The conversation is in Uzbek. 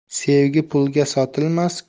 sevgi pulga sotilmas